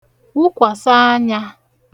wụkwasa anya